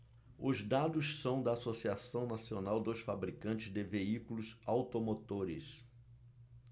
os dados são da anfavea associação nacional dos fabricantes de veículos automotores